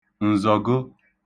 ǹzọ̀go